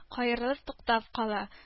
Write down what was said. Каерылып туктап кала